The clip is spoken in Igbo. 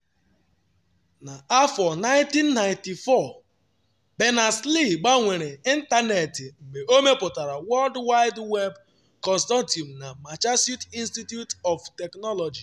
Na 1994, Berners-Lee gbanwere Ịntanetị mgbe ọ mepụtara World Wide Web Consortuim na Massachusetts Institue of Technology.